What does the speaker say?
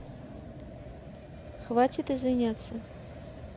хватит извиняться